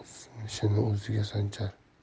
o'z nishini o'ziga sanchar